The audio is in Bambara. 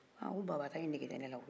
ah ko baba ta in nege tɛ ne la